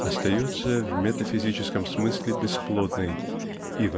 остается в метафизическом смысле бесплодной и